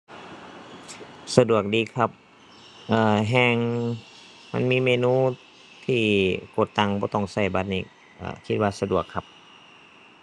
สะดวกดีครับ เอ่อ แฮ่งมันมีเมนูที่กดตังบ่ต้องใช้บัตรนี่ คิดว่าสะดวกครับ